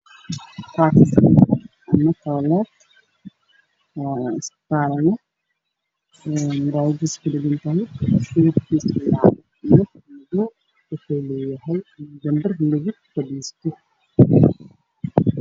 Meeshaan waa qol midabkiisu yahay caddaan waxaa yaalla armaajo midabkeeda yahay madoobe iyo caddaan